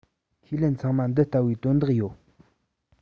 ཁས ལེན ཚང མ འདི ལྟ བུའི དོན དག ཡོད